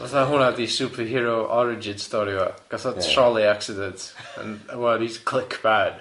Fatha hwnna ydi superhero origin story fo. Gath o troli accident a ŵan he's a click man.